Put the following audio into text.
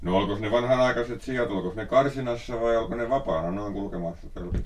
no olikos ne vanhanaikaiset siat olikos ne karsinassa vai oliko ne vapaana noin kulkemassa